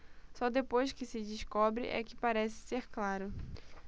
só depois que se descobre é que parece ser claro